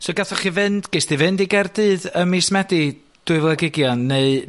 So gathoch chi fynd... Ges di fynd i Gaerdydd ym mis Medi, dwy fil ag ugian, neu